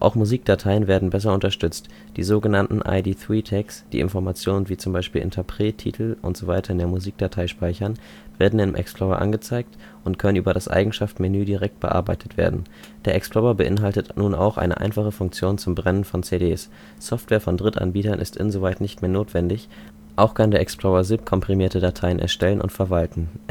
Musikdateien werden besser unterstützt: Die so genannten ID3-Tags, die Informationen wie z. B. Interpret, Titel usw. in der Musikdatei speichern, werden im Explorer angezeigt und können über das Eigenschaftenmenü direkt bearbeitet werden. Der Explorer beinhaltet nun auch eine einfache Funktion zum Brennen von CDs. Software von Drittanbietern ist insoweit nicht mehr notwendig. Auch kann der Explorer ZIP-komprimierte Dateien erstellen und verwalten